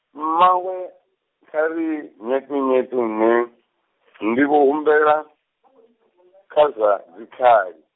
mmawe, kha ri nyeṱunyeṱu nṋe, ndi vho humbela , kha zwa dzikhali.